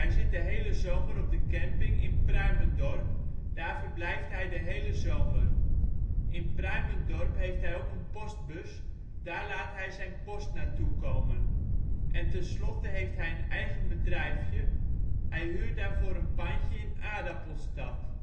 zit de hele zomer op de camping in Pruimendorp, daar verblijft hij de hele zomer. In Pruimendorp heeft hij ook een postbus, daar laat hij z 'n post naar toe komen. En ten slotte heeft hij een eigen bedrijfje. Hij huurt daarvoor een pandje in Aardappelstad